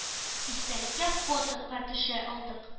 Истәлеккә фотога төшә алдык.